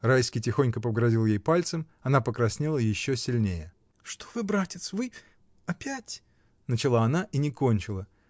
Райский тихонько погрозил ей пальцем; она покраснела еще сильнее. — Что вы, братец. вы. опять. — начала она и не кончила.